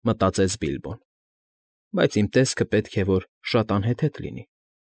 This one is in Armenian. Մտածեց Բիլբոն։֊ Բայց իմ տեսքը պետք է որ շատ անհեթեթ լինի։